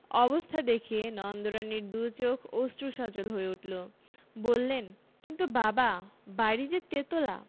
অবস্থা দেখে নন্দরানীর দু'চোখ অশ্রু সজল হয়ে উঠল বললেন কিন্তু বাবা বাড়ি যে তেতলা